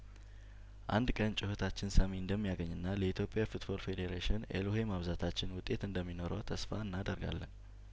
አንድ ቀን ጩኸታችን ሰሚ እንደሚያገኝና ለኢትዮጵያ ፉትቦል ፌዴሬሽን ኤሎሄ ማብዛታችን ውጤት እንደሚኖረው ተስፋ እናደርጋለን